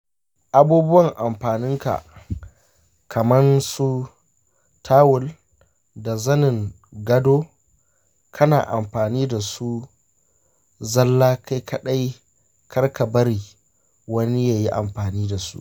abubuwan amfaninka kaman su tawul da zanin gado kana amfani dasu zalla kai kadai karka bari wani yayi amfani dasu.